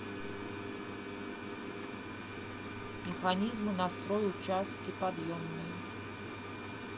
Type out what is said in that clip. механизмы на строй участке подъемные